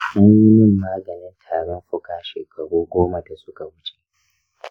an yi min maganin tarin fuka shekaru goma da suka wuce.